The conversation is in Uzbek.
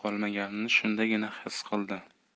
qolmaganini shundagina xis qildi